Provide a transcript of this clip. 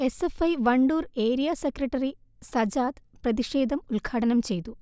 S F I Wandoor area secretary Sajad പ്രതിഷേധം ഉൽഘാടനം ചെയ്തു